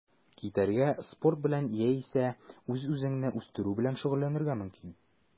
Китәргә, спорт белән яисә үз-үзеңне үстерү белән шөгыльләнергә мөмкин.